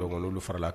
Donc nulu fara la